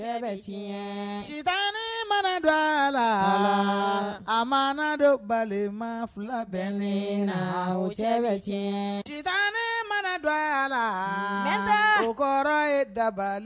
Ta mana don a la a ma don bali ma fila bɛ la cɛ si tan mana don a la ne tɛ kɔrɔ ye dabali